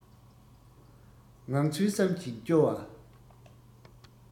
ངང ཚུལ བསམ གྱིན སྐྱོ བ